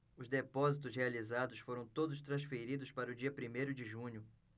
os depósitos realizados foram todos transferidos para o dia primeiro de junho